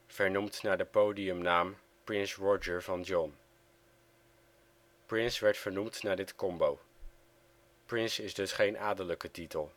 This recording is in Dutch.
vernoemd naar de podiumnaam Prince Roger van John. Prince werd vernoemd naar dit combo. Prince is dus geen adellijke titel